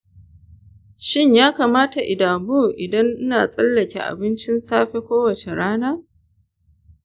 shin ya kamata in damu idan ina tsallake abincin safe kowace rana?